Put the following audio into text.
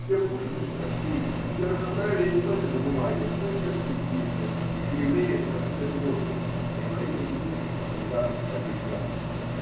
Тем хуже будет в России, где равноправия не только на бумаге, но и в перспективе нет и где евреям, как свет и воздух, необходимо единство, солидарность, организация.